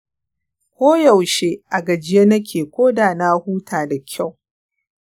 koyaushe a gajiye nake koda na huta da kyau.